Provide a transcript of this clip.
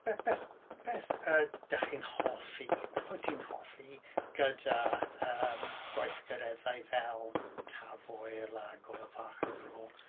Be- beth... beth yy dach chi'n hoffi... beth wyt ti'n hoffi gyda yym gweithgareddau fel Tafwyl a Gwyl Fach y Fro?